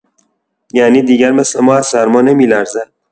یعنی دیگر مثل ما از سرما نمی‌لرزد؟!